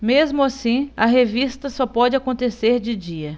mesmo assim a revista só pode acontecer de dia